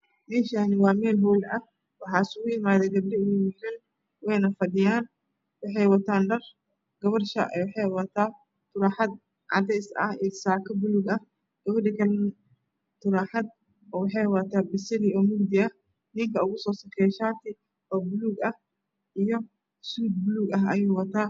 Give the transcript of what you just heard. Meshani waa meel hol ah waxaana iskugu imaaday wiilaal iyo gabdho wana fadhiyaan wexeey wataan dhar gabar wexeey wadataa turaxad cadees ah iyo sako buluug ah gabadha kale wexeey wadataa turaxad basali mugdi ah ninka ugu soo sokeeyo shati bulug ah iyo suud buluug ah ayuu wataa